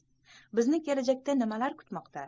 bizni kelajakda nimalar kutmoqda